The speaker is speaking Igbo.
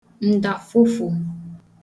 ǹdàfụfụ̀